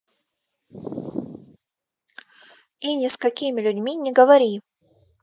и ни с какими людьми не говори